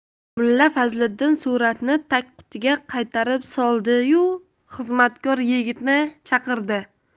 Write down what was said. mulla fazliddin suratni tagqutiga qaytarib soldi yu xizmatkor yigitni chaqirdi